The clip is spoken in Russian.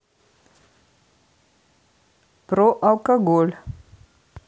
про алкоголь